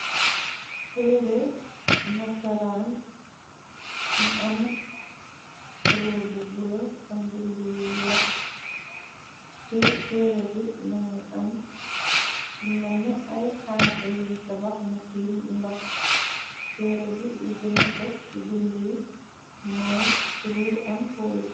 Teere nazaraan mu am coloor bu bulo mu am bind yu weex , ci teera bi më ngi am lu menne ay xanxa yoñ tabax mu tiim ndox, teera bi li gëna xos ci bind yi mooy true and holy.